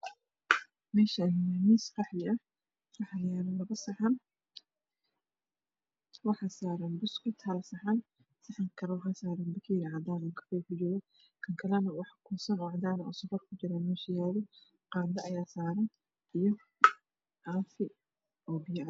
Meeshan waa miis qaxwi ah waxaa yaalo labo saxan waxaa saran buskud hal saxan kakalana waxaa saaran bakeri cadan ah cafay ku jro kakalana wax kuusan oo cadaan o sonkor ku jiro qaado ayaa saaran io caafi oo biyo ah